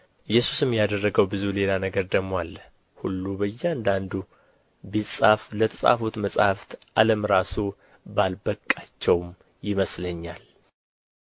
ኢየሱስም ያደረገው ብዙ ሌላ ነገር ደግሞ አለ ሁሉ በእያንዳንዱ ቢጻፍ ለተጻፉት መጻሕፍት ዓለም ራሱ ባልበቃቸውም ይመስለኛል